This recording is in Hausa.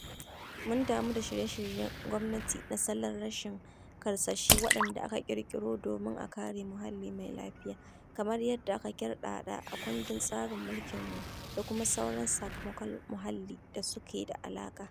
Mun damu da shirye-shiryen gwamnati na salon rashin karsashi waɗanda aka ƙirƙiro domin a kare muhalli mai lafiya, kamar yadda aka kirdada a kundin tsarin mulkinmu, da kuma sauran sakamakon muhalli da suke da alaƙa.